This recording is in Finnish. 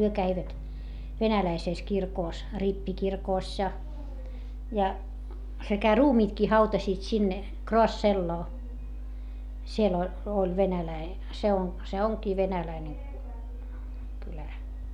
he kävivät venäläisessä kirkossa rippikirkossa ja ja sekä ruumiitkin hautasivat sinne Kraasseloon siellä oli oli - se on se onkin venäläinen kylä